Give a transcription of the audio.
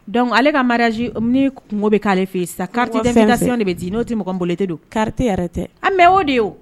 Dɔnkuc ale ka maz ni kungo bɛ k'ale feere sisan karatatɛsi de bɛ di n'o tɛ mɔgɔ nboloolite don karatatɛ yɛrɛ tɛ an mɛ o de wo